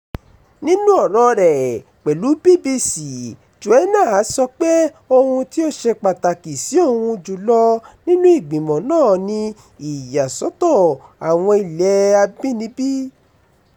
Nínú ọ̀rọ̀ọ rẹ̀ pẹ̀lú BBC, Joenia sọ pé ohun tí ó ṣe pàtàkì sí òun jùlọ nínú ìgbìmọ̀ náà ni ìyàsọ́tọ̀ àwọn ilẹ̀ abínibí: